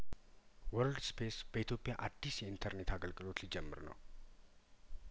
ወርልድ ስፔስ በኢትዮጵያ አዲስ የኢንተርኔት አገልግሎት ሊጀምር ነው